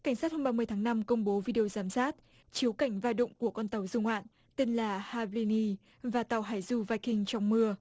cảnh sát hôm ba mươi tháng năm công bố video giám sát chiếu cảnh và đụng của con tàu du ngoạn từng là heavy và tàu hải dù viking trong mưa